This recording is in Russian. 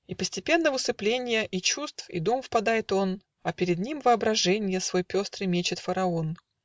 И постепенно в усыпленье И чувств и дум впадает он, А перед ним воображенье Свой пестрый мечет фараон.